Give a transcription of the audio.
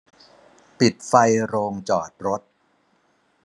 ปิดไฟโรงจอดรถ